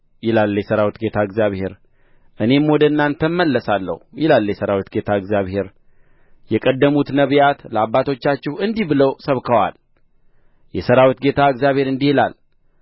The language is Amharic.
ይላል የሠራዊት ጌታ እግዚአብሔር እኔም ወደ እናንተ እመለሳለሁ ይላል የሠራዊት ጌታ እግዚአብሔር የቀደሙት ነቢያት ለአባቶቻችሁ እንዲህ ብለው ሰብከዋል የሠራዊት ጌታ እግዚአብሔር እንዲህ ይላል